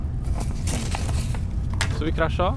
Så vi kræsja.